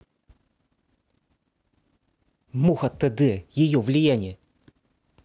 муха тд ее влияние